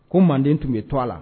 Ko manden tun bɛ to la